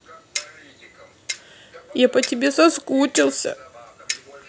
я по тебе соскучился